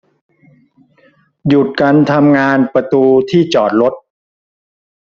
หยุดการทำงานประตูที่จอดรถ